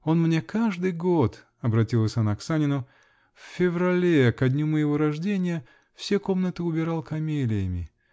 Он мне каждый год, -- обратилась она к Санину, -- в феврале, ко дню моего рождения, все комнаты убирал камелиями.